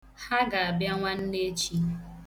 Ha ga-abia nwanneechi.